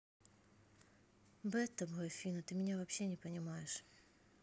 bad тобой афина ты меня вообще не понимаешь